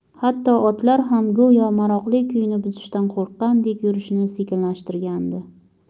hatto otlar ham go'yo maroqli kuyni buzishdan qo'rqqandek yurishini sekinlashtirgandi